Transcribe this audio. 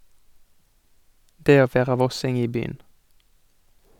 Det å vera vossing i by'n.